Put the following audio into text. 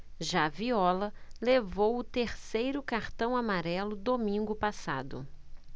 já viola levou o terceiro cartão amarelo domingo passado